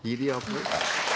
gi de applaus.